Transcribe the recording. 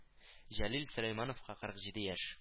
Җәлил Сөләймановка кырык җиде яшь